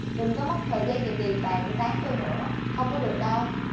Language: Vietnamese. đừng có mất thời gian và tiền bạc để tán tôi nữa không có được đâu